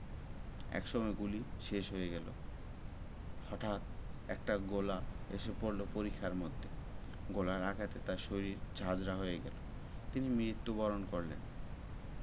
একসময় গুলি শেষ হয়ে গেল হটাঠ একটা গোলা এসে পড়ল পরিখার মধ্যে গোলার আঘাতে তার শরীর ঝাঁঝরা হয়ে গেল তিনি মৃত্যুবরণ করলেন